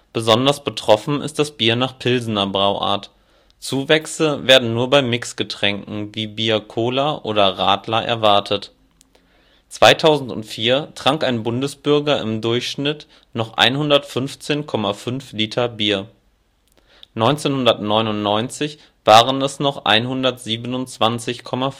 Besonders betroffen ist das Bier nach Pilsener Brauart. Zuwächse werden nur bei Mixgetränken wie Bier-Cola oder Radler erwartet. 2004 trank ein Bundesbürger im Durchschnitt noch 115,5 Liter Bier. 1999 waren es noch 127,5